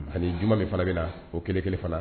Ani juma min fana bɛ la o kelen kelen fana